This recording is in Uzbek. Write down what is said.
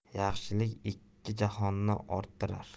yaxshilik ikki jahonni orttirar